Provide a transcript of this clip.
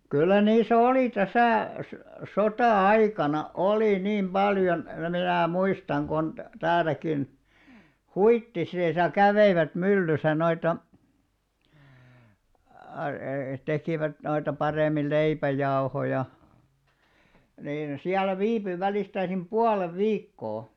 kyllä niissä oli tässä - sota-aikana oli niin paljon minä muistan kun täälläkin Huittisissa kävivät myllyssä noita - tekivät noita paremmin leipäjauhoja niin siellä viipyi välistäisin puolen viikkoa